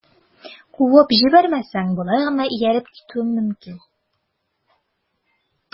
Куып җибәрмәсәң, болай гына ияреп китүем мөмкин...